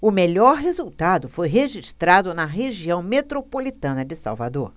o melhor resultado foi registrado na região metropolitana de salvador